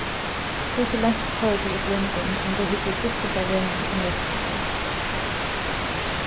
hvussu langt koyrir tú í blindum um tú hyggur burtur frá vegnum í nøkur sekund